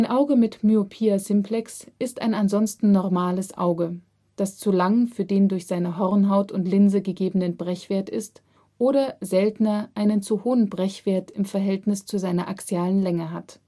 Auge mit Myopia simplex ist ein ansonsten normales Auge, das zu lang für den durch seine Hornhaut und Linse gegebenen Brechwert ist oder (seltener) einen zu hohen Brechwert im Verhältnis zur seiner axialen Länge hat